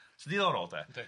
Diddorol de, yndy.